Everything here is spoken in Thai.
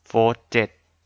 โฟธเจ็ด